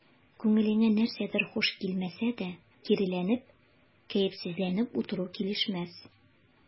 Күңелеңә нәрсәдер хуш килмәсә дә, киреләнеп, кәефсезләнеп утыру килешмәс.